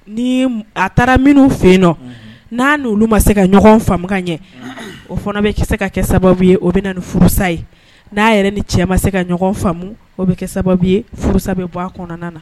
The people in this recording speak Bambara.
Ni a taara minnu fɛ n'a ma se ka ɲɔgɔnkan ɲɛ o fana bɛ se ka kɛ sababu ye o bɛ na nin furusa ye n'a yɛrɛ ni cɛ ma se ka ɲɔgɔn faamu o bɛ sababu ye furusa bɛ bɔ a kɔnɔna na